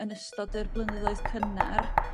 yn ystod yr blynyddoedd cynnar.